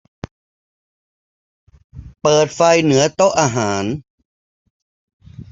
เปิดไฟเหนือโต๊ะอาหาร